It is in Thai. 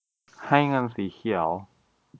ให้เงินสีเขียว